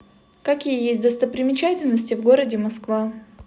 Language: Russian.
какие есть достопримечательности в городе москва